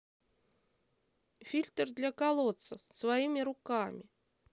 фильтр для колодца своими руками